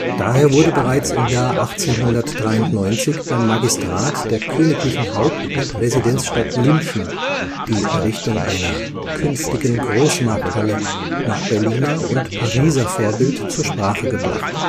Daher wurde bereits im Jahr 1893 beim Magistrat der königlichen Haupt - und Residenzstadt München die Errichtung einer „ künftigen Großmarkthalle “nach Berliner und Pariser Vorbild zur Sprache gebracht